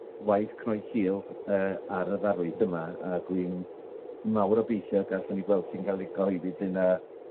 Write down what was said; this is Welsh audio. waith cnoi cil yy ar y ddarlith yma ag wi'n mawr obeithio gallen ni gweld hi'n ca'l 'i cyhoeddi p'un a